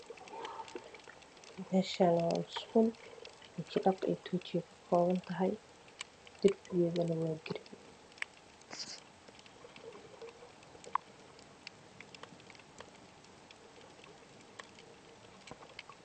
Meeshani wa musqul waji dhaq iyo tuuji ayay ka kooban tahay darbigedana waa gareen